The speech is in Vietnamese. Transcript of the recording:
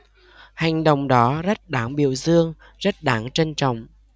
hành động đó rất đáng biểu dương rất đáng trân trọng